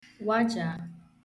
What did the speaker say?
waja